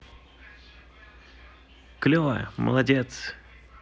клево молодец